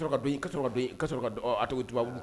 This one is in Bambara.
Ka a tugubabu